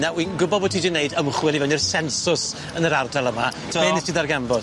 Naw' wi'n gwbo bo' ti 'di neud ymchwil i fewn i'r sensws yn yr ardal yma. Do. Be' nest ti ddarganfod?